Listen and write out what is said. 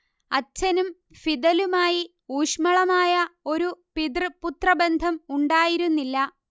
അച്ഛനും ഫിദലുമായി ഊഷ്മളമായ ഒരു പിതൃ പുത്രബന്ധം ഉണ്ടായിരുന്നില്ല